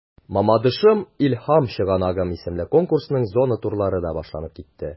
“мамадышым–илһам чыганагым” исемле конкурсның зона турлары да башланып китте.